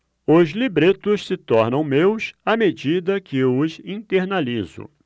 os libretos se tornam meus à medida que os internalizo